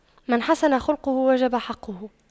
من حسن خُلقُه وجب حقُّه